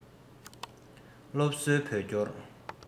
སློབ གསོའི བོད སྐྱོར